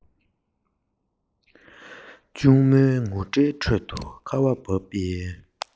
ང གཉིས ཁ རྩོད མི བྱེད ཅེས སེམས གསོ